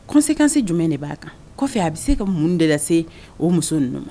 Kɔn sekan se jumɛn de b'a kan kɔfɛ a bɛ se ka mun de lase o muso ninnu ma